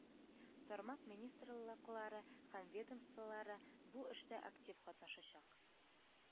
Тармак министрлыклары һәм ведомстволары бу эштә актив катнашачак